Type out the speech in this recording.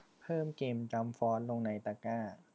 เพิ่มเกมจั้มฟอสลงในตะกร้า